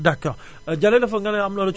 d' accord Jalle dafa nga ne am na loo